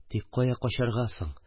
Тик кая качарга соң?